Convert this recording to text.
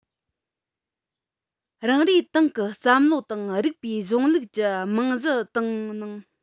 རང རེའི ཏང གི བསམ བློ དང རིགས པའི གཞུང ལུགས ཀྱི རྨང གཞི བཏིང གནང